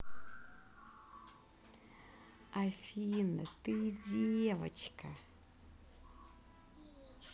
афина ты девочка